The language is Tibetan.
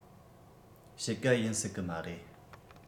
དཔྱིད ཀ ཡིན སྲིད གི མ རེད